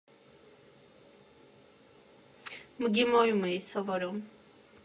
ՄԳԻՄՈ֊ում էի սովորում։